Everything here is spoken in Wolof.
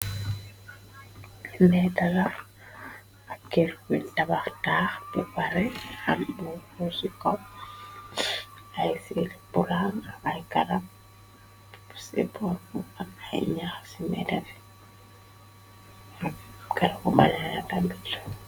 Metala akker fi dabax taax te ware xal bu rosikop ay sel pulaan ay karab seborfu at ay ñax ci karabu balena tabit.